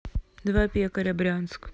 два пекаря брянск